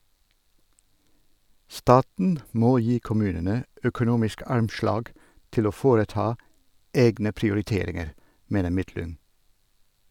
Staten må gi kommunene økonomisk armslag til å foreta egne prioriteringer, mener Midtlyng.